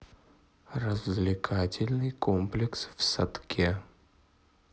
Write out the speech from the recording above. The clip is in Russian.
развлекательный комплекс в садке